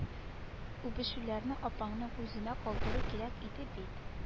Үбешүләрне апаңның үзенә калдыру кирәк иде бит